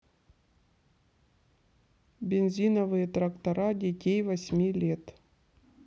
бензиновые трактора детей восьми лет